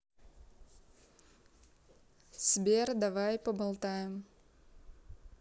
сбер давай поболтаем